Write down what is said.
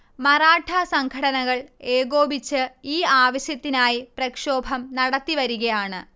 മറാഠാ സംഘടനകൾ ഏകോപിച്ച് ഈ ആവശ്യത്തിനായി പ്രക്ഷോഭം നടത്തിവരികയാണ്